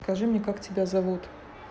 скажи мне как тебя зовут